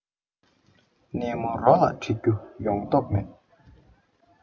གནས མོ རོགས ལ ཁྲིད རྒྱུ ཡོང མདོག མེད